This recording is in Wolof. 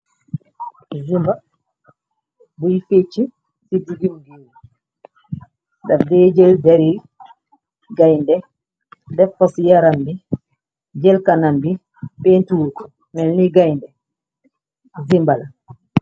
Zimba buy fecci digugum, dafdee jël deri gaynde defa ci yaram bi, jëlkanam bi pentulr ko melni gaynde, zimba la.